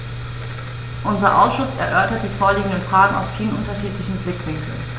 Unser Ausschuss erörtert die vorliegenden Fragen aus vielen unterschiedlichen Blickwinkeln.